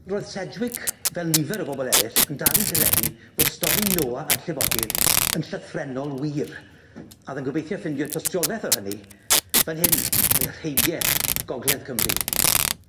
Roedd Sedgwick, fel nifer o bobol eryll, yn dal i gredu bod stori Noah a'r llifogydd yn llythrennol wir a o'dd e'n gobeithio ffindio tystioleth o hynny fan hyn, yng nghreigie gogledd Cymru.